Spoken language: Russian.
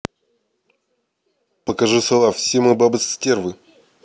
покажи слова все мы бабы стервы